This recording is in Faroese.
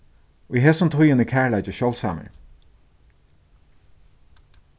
í hesum tíðum er kærleiki sjáldsamur